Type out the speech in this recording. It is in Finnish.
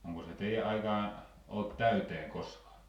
onko se teidän aikaan ollut täyteen koskaan